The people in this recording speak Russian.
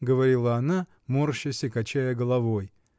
— говорила она, морщась и качая головой.